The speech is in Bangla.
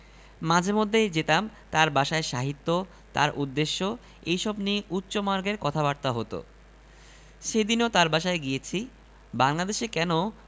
তিনি এক বাসায় বেড়াতে গিয়েছেন দেখলেন তিন বছর বয়সী একটি ছেলে পটিতে বসে বাথরুম সারছে ছেলেটি তাকে দেখে লজ্জা পেয়েছে ভেবে তিনি বললেন বাহ খুব সুন্দর পটি তো তোমার ভারী সুন্দর